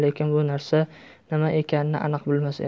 lekin bu narsa nima ekanini aniq bilmas edi